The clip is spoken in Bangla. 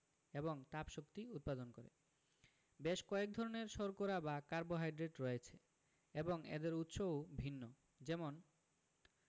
এবং তাপশক্তি উৎপাদন করে বেশ কয়েক ধরনের শর্করা বা কার্বোহাইড্রেট রয়েছে এবং এদের উৎসও ভিন্ন যেমন